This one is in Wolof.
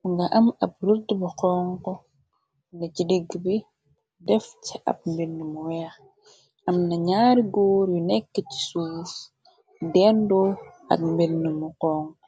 Mu nga am ab rët bu xono ne ci digge, bi def ci ab mbinde mu weex. Am na ñaari góor yu nekk ci suus dendoo ak mbinn mu xonu.